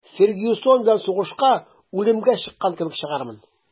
«фергюсон белән сугышка үлемгә чыккан кебек чыгармын»